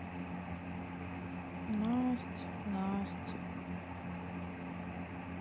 насть насть